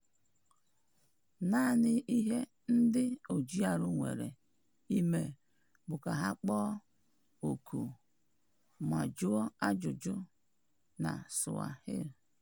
Naanị ihe ndị ojiarụ nwere ịmee bụ ka ha kpọọ oku ma jụọ ajụjụ na Swahili.